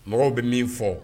Mɔgɔw bɛ min fɔ